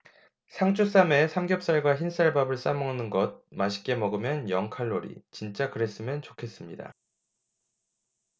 상추쌈에 삼겹살과 흰쌀밥을 싸먹는 것 맛있게 먹으면 영 칼로리 진짜 그랬으면 좋겠습니다